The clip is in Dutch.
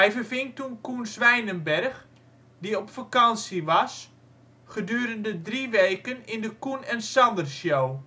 verving toen Coen Swijnenberg, die op vakantie was, gedurende drie weken in de Coen en Sander Show